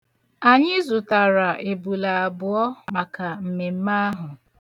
Anyị zụtara ebule abụọ maka mmemme ahu.